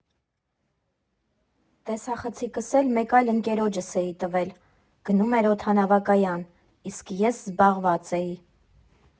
Տեսախցիկս էլ մեկ այլ ընկերոջս էի տվել, գնում էր օդանավակայան, իսկ ես զբաղված էի։